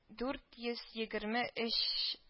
Дурт йөз егерме өчч